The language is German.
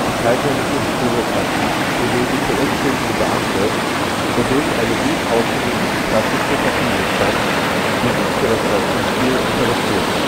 kaiserliche Bürokratie benötigte unzählige Beamte, wodurch eine gut ausgebildete Klasse zu Verfügung stand, die sich für das Weiqi-Spiel interessierte